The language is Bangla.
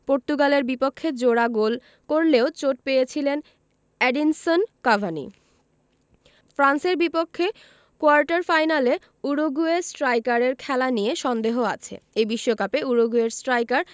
পর্তুগালের বিপক্ষে জোড়া গোল করলেও চোট পেয়েছিলেন এডিনসন কাভানি ফ্রান্সের বিপক্ষে কোয়ার্টার ফাইনালে উরুগুয়ে স্ট্রাইকারের খেলা নিয়ে সন্দেহ আছে এই বিশ্বকাপে উরুগুয়ের স্ট্রাইকার